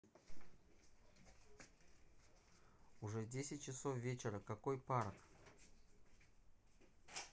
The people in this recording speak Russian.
уже десять часов вечера какой парк